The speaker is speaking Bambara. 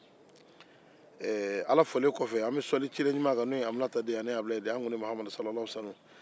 ala folen kɔfɛ an bɛ seli ciden ɲuman kan n'o ye mahamadu ye